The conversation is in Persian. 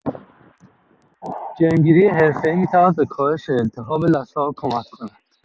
جرم‌گیری حرفه‌ای می‌تواند به کاهش التهاب لثه‌ها کمک کند.